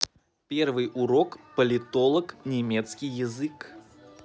первый урок политолог немецкий язык